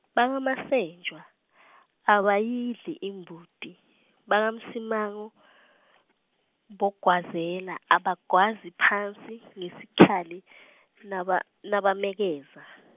bakaMatsenjwa abayidli imbuti bakaNsingwane boGwazela abagwazi phansi ngesikhali naba nabamekeza.